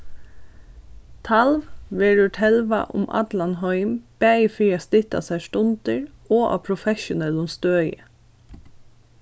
talv verður telvað um allan heim bæði fyri at stytta sær stundir og á professionellum støði